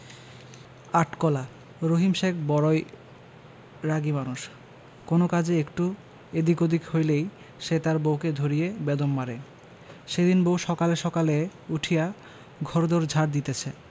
আট কলা রহিম শেখ বড়ই রাগী মানুষ কোনো কাজে একটু এদিক ওদিক হইলেই সে তার বউকে ধরিয়ে বেদম মারে সেদিন বউ সকালে সকালে উঠিয়া ঘর দোর ঝাট দিতেছে